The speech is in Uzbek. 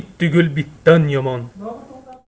it tugul bitdan yomon